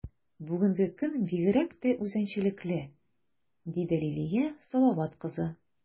Бүгенге көн бигрәк тә үзенчәлекле, - диде Лилия Салават кызы.